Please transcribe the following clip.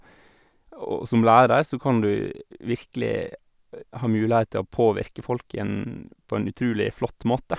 Og som lærer så kan du virkelig ha mulighet til å påvirke folk i en på en utrulig flott måte.